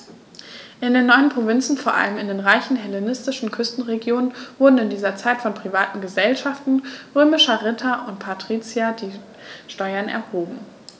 In den neuen Provinzen, vor allem in den reichen hellenistischen Küstenregionen, wurden in dieser Zeit von privaten „Gesellschaften“ römischer Ritter und Patrizier die Steuern erhoben.